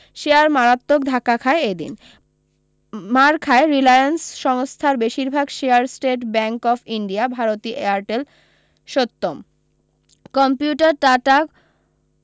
share মারাত্মক ধাক্কা খায় এদিন মার খায় রিলায়েন্স সংস্থার বেশিরভাগ share State Bank of India Bharti Airtel Satyam computer tata